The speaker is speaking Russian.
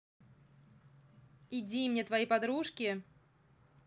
иди мне твои подружки